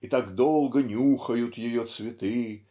и так долго нюхают ее цветы